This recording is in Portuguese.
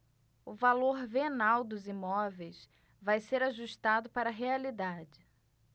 o valor venal dos imóveis vai ser ajustado para a realidade